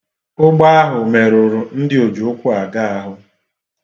Ụgbọ ahụ merụrụ ndị ojiụkwụaga ahụ.